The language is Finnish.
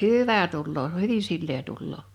hyvä tulee hyvin sileä tulee